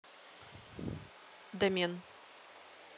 домен